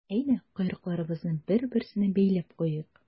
Әйдә, койрыкларыбызны бер-берсенә бәйләп куйыйк.